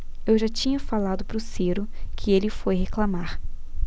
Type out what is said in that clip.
eu já tinha falado pro ciro que ele foi reclamar